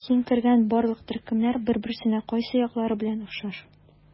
Син кергән барлык төркемнәр бер-берсенә кайсы яклары белән охшаш?